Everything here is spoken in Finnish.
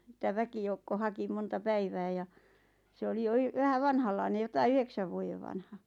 sitä väkijoukko haki monta päivää ja se oli jo - vähän vanhanlainen jotakin yhdeksän vuoden vanha